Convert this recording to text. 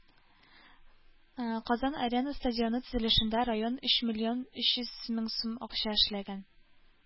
“казан-арена” стадионы төзелешендә район өч миллион өч йөз мең сум акча эшләгән.